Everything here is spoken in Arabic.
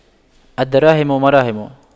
الدراهم مراهم